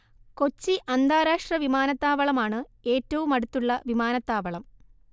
കൊച്ചി അന്താരാഷ്ട്ര വിമാനത്താവളം ആണ് ഏറ്റവും അടുത്തുള്ള വിമാനത്താവളം